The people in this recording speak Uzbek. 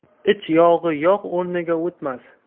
ich yog'i yog' o'rniga o'tmas